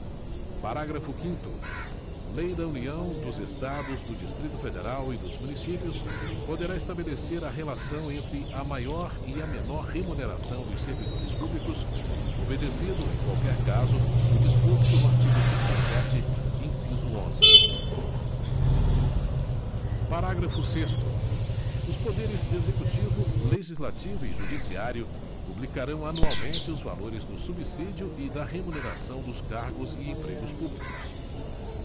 parágrafo quinto lei da união dos estados do distrito federal e dos municípios poderá estabelecer a relação entre a maior e a menor remuneração dos servidores públicos obedecido em qualquer caso o disposto no artigo trinta e sete inciso onze parágrafo sexto os poderes executivo legislativo e judiciário publicarão anualmente os valores do subsídio e da remuneração dos cargos e empregos públicos